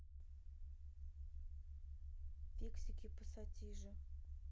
фиксики пассатижи